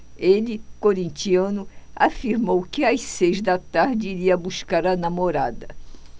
ele corintiano afirmou que às seis da tarde iria buscar a namorada